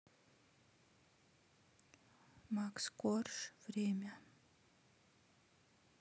макс корж время